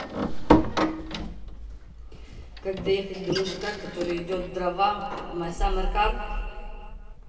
как доехать до мужика который идет дрова в my summer car